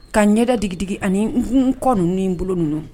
Ka ɲɛdeigi ani nun kɔn n bolo ninnu